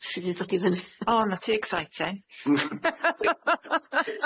Sud i ddod i fyny. O 'na ti exciting.